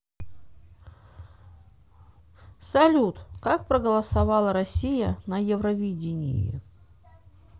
салют как проголосовала россия на евровидении